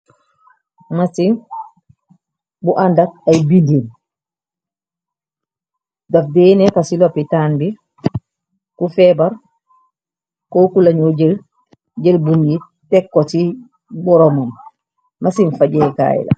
Masin bu àndak ay bejen, daf deeneka ci loppitaan bi, ku feebar kooku lañu jël, jël ben yi tekko ci boromam, masim fajeekaay la.